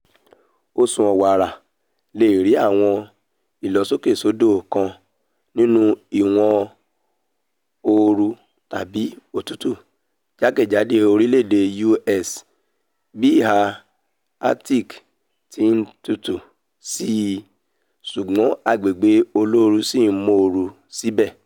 Oṣù Ọ̀wàrà leè rí àwọn ìlọsókè-sódò kan nínú ìwọn ooru tàbi otútú jákè-jádò orílẹ̀-èdè U.S. bí ìhà Arctic tí ń tutù síi, ṣùgbọ́n agbègbè olóoru sì m'óoru síbẹ̀.